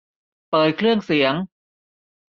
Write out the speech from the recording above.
เปิดเครื่องเสียง